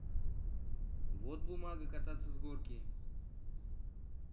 вот бумага кататься с горки